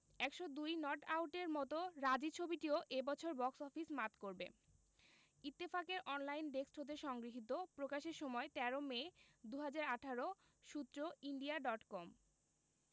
১০২ not আউটের মতো রাজী ছবিটিও এ বছর বক্স অফিস মাত করবে ইত্তেফাক এর অনলাইন ডেস্ক হতে সংগৃহীত প্রকাশের সময় ১৩ মে ২০১৮ সূত্র ইন্ডিয়া ডট কম